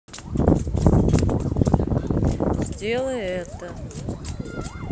сделай это